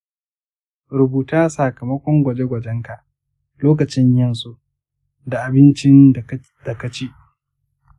rubuta sakamakon gwaje-gwajen ka, lokacin yin su, da abincin da ka ci.